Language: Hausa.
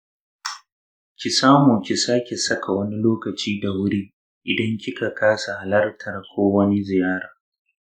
ki samu ki sake saka wani lokaci da wuri idan kika kasa halartar ko wani ziyara.